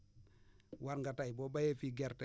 war nga tey boo bayee fii gerte